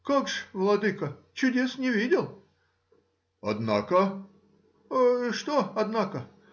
— Кто же, владыко, чудес не видел? — Однако? — Что однако?